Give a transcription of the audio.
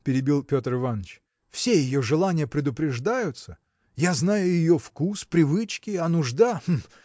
– перебил Петр Иваныч, – все ее желания предупреждаются я знаю ее вкус, привычки. А нужда. гм!